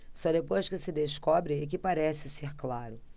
só depois que se descobre é que parece ser claro